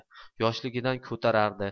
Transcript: bolaligida ko'tarardi